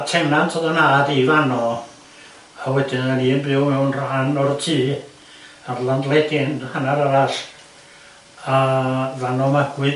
A tennant o'dd fy nhad i fan 'no a wedyn o'dda ni'n byw mewn rhan o'r tŷ a'r landlady yn hannar arall a fan 'no magwyd